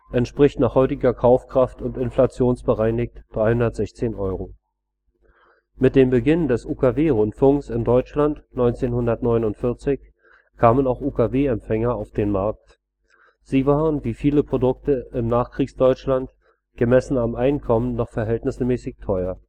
entspricht nach heutiger Kaufkraft und inflationsbereinigt 325 Euro). Mit dem Beginn des UKW-Rundfunks in Deutschland 1949 kamen auch UKW-Empfänger auf den Markt; sie waren - wie viele Produkte im Nachkriegsdeutschland - gemessen am Einkommen noch verhältnismäßig teuer